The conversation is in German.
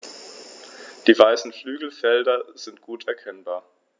Die weißen Flügelfelder sind gut erkennbar.